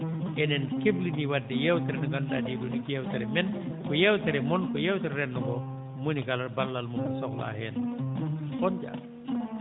eɗen keɓlitii waɗde yeewtere nde ngannduɗaa nde ko yeewtere men ko yeewtere mon ko yeewtere renndo ngoo mo woni kala ballal muuɗum sohlaa heen on jaaraama